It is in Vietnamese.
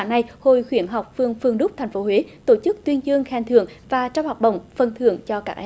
sáng nay hội khuyến học phường phường đúc thành phố huế tổ chức tuyên dương khen thưởng và trao học bổng phần thưởng cho các em